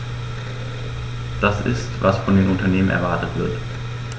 Das ist, was von den Unternehmen erwartet wird.